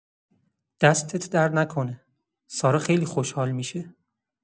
دستت درد نکنه، سارا خیلی خوشحال می‌شه.